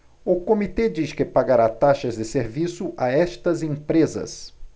o comitê diz que pagará taxas de serviço a estas empresas